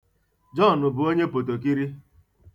Jọn bụ onye Pòtòkiri.